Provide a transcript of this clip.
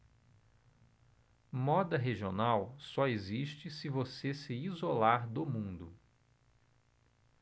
moda regional só existe se você se isolar do mundo